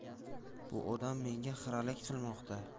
bu odam menga xiralik qilmoqda